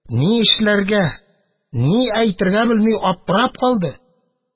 Ни эшләргә, ни әйтергә белми аптырап калды.